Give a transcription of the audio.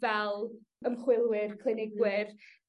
fel ymchwilwyr clinigwyr